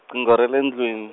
-qingo ra le ndlwini.